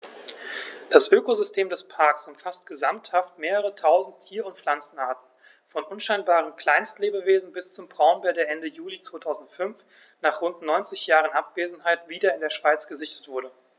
Das Ökosystem des Parks umfasst gesamthaft mehrere tausend Tier- und Pflanzenarten, von unscheinbaren Kleinstlebewesen bis zum Braunbär, der Ende Juli 2005, nach rund 90 Jahren Abwesenheit, wieder in der Schweiz gesichtet wurde.